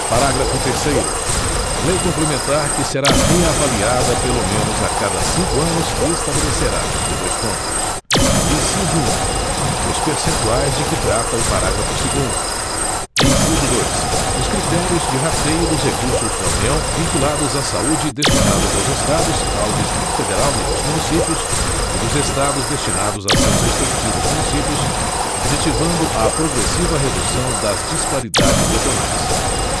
parágrafo terceiro lei complementar que será reavaliada pelo menos a cada cinco anos estabelecerá dois pontos inciso um os percentuais de que trata o parágrafo segundo inciso dois os critérios de rateio dos recursos da união vinculados à saúde destinados aos estados ao distrito federal e aos municípios e dos estados destinados a seus respectivos municípios objetivando a progressiva redução das disparidades regionais